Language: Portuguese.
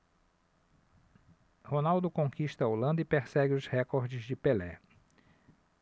ronaldo conquista a holanda e persegue os recordes de pelé